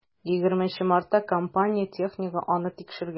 20 мартта компания технигы аны тикшергән.